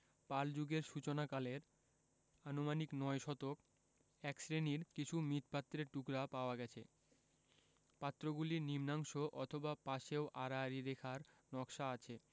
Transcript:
পালযুগের সূচনা কালের আনুমানিক নয় শতক এক শ্রেণির কিছু মৃৎপাত্রের টুকরা পাওয়া গেছে পাত্রগুলির নিম্নাংশ অথবা পাশেও আড়াআড়ি রেখার নকশা আছে